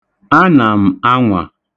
Ana m anwa.